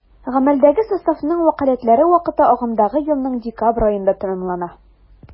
Гамәлдәге составның вәкаләтләре вакыты агымдагы елның декабрь аенда тәмамлана.